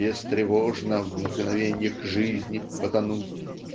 бестревожно В мгновеньях жизни потонуть!